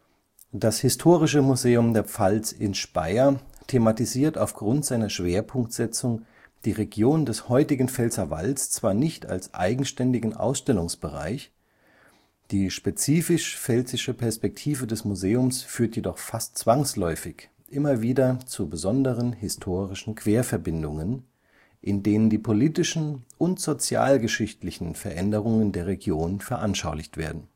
Das Historische Museum der Pfalz in Speyer thematisiert aufgrund seiner Schwerpunktsetzung die Region des heutigen Pfälzerwalds zwar nicht als eigenständigen Ausstellungsbereich, die spezifisch pfälzische Perspektive des Museums führt jedoch fast zwangsläufig immer wieder zu besonderen historischen Querverbindungen, in denen die politischen und sozialgeschichtlichen Veränderungen der Region veranschaulicht werden